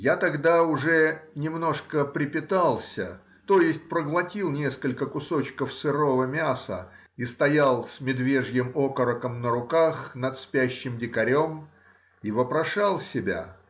Я тогда уже немножко препитался, то есть проглотил несколько кусочков сырого мяса, и стоял с медвежьим окороком на руках над спящим дикарем и вопрошал себя